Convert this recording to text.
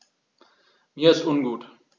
Mir ist ungut.